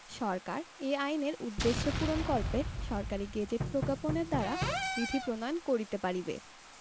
সরকার এই আইনের উদ্দেশ্য পূরণকল্পে সরকারী গেজেট প্রজ্ঞাপনের দ্বারা বিধি প্রণয়ন করিতে পারিবে